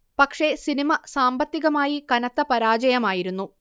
പക്ഷേ സിനിമ സാമ്പത്തികമായി കനത്ത പരാജയമായിരുന്നു